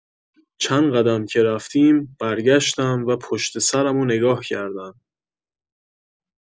چند قدم که رفتیم، برگشتم و پشت سرمو نگاه کردم.